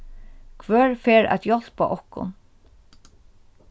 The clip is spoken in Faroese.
hvør fer at hjálpa okkum